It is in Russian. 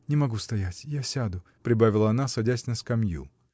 Не могу стоять, я сяду, — прибавила она, садясь на скамью.